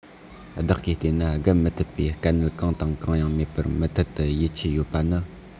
བདག གིས བལྟས ན བརྒལ མི ཐུབ པའི དཀའ གནད གང དང གང ཡང མེད པར མུ མཐུད དུ ཡིད ཆེས ཡོད པ ནི